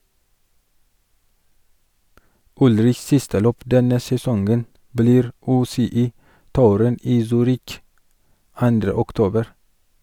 Ullrichs siste løp denne sesongen blir UCI-touren i Zürich 2. oktober.